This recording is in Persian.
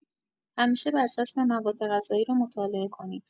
همیشه برچسب موادغذایی را مطالعه کنید.